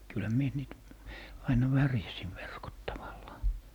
kyllähän minä niitä aina värjäsin verkot tavallaan